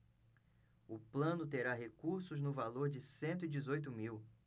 o plano terá recursos no valor de cento e dezoito mil